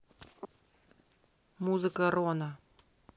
музыка рона